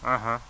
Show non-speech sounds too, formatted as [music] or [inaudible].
[hesitation] [hesitation]